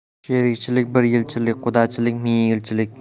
sherikchilik bir yilchilik qudachilik ming yilchilik